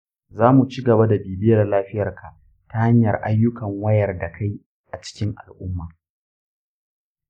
za mu ci gaba da bibiyar lafiyarka ta hanyar ayyukan wayar da kai a cikin al’umma.